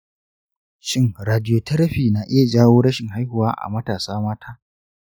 shin radiotherapy na iya jawo rashin haihuwa a matasa mata?